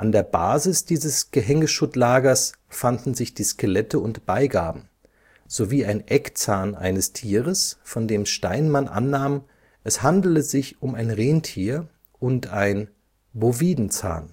der Basis dieses Gehängeschuttlagers fanden sich die Skelette und Beigaben, sowie ein Eckzahn eines Tieres, von dem Steinmann annahm, es handele sich um ein Rentier, und ein „ Bovidenzahn